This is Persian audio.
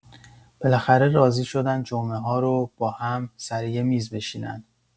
بالاخره راضی شدن جمعه‌ها رو با هم‌سر یه میز بشینن.